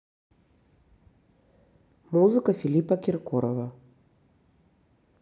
музыка филиппа киркорова